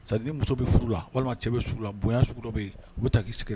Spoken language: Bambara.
Saden muso bɛ furu la walima cɛ bɛla bonya dɔ bɛ yen ta'i